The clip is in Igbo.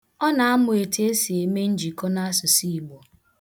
Ọ na-amụ etu esi eme njikọ n' asụsụ Igbo.